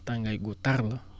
tàngaay gu tar la